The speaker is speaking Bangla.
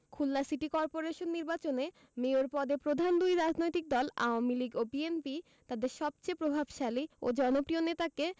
খুলনা সিটি করপোরেশন নির্বাচনে মেয়র পদে প্রধান দুই রাজনৈতিক দল আওয়ামী লীগ ও বিএনপি তাদের সবচেয়ে প্রভাবশালী ও জনপ্রিয় নেতাকে